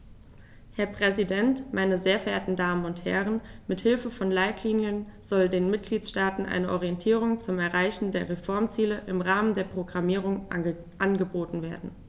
Herr Präsident, meine sehr verehrten Damen und Herren, mit Hilfe von Leitlinien soll den Mitgliedstaaten eine Orientierung zum Erreichen der Reformziele im Rahmen der Programmierung angeboten werden.